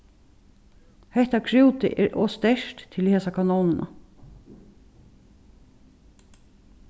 hetta krútið er ov sterkt til hesa kanónina